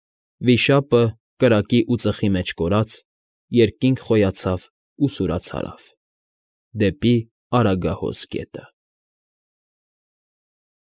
Վիշապը, կրակի ու ծխի մեջ կորած, երկինք խոյացավ և սուրաց հարավ, դեպի Արագահոս գետը։